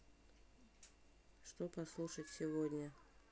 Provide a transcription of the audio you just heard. что послушать сегодня